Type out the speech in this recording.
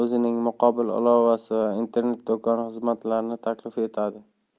ilovasi va internet do'koni xizmatlarini taklif etadi